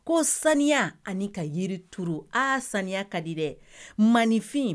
Ko saniya ani ka yirituru a saniya ka di dɛ maninfin